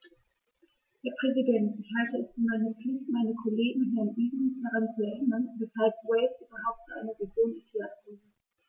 Herr Präsident, ich halte es für meine Pflicht, meinen Kollegen Herrn Evans daran zu erinnern, weshalb Wales überhaupt zu einer Region erklärt wurde.